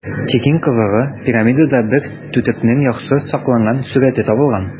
Тик иң кызыгы - пирамидада бер түтекнең яхшы ук сакланган сурəте табылган.